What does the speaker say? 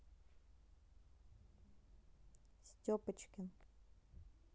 степочкин